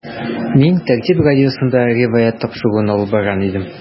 “мин “тәртип” радиосында “риваять” тапшыруын алып барган идем.